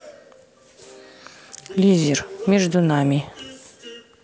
лизер между нами